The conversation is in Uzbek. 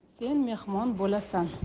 sen mehmon bo'lasan